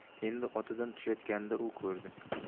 endi otidan tushayotganida u ko'rdi